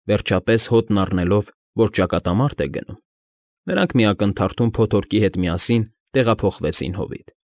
Վերջապես, հոտն առնելով, որ ճակատամարտ է գնում, նրանք մի ակնթարթում փոթորիկի հետ միասին տեղափոխվեցին հովիտ։